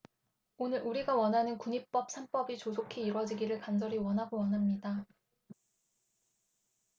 오늘 우리가 원하는 군인법 삼 법이 조속히 이뤄지기를 간절히 원하고 원합니다